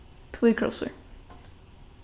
tvíkrossur